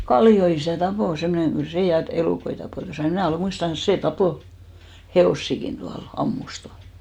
Kallion isä tappoi semmoinen kyllä se ja elukoita tappoi ja minä olen muistavanansa se tappoi hevosiakin tuolla ampui tuolla